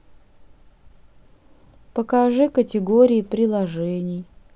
покажи категории приложений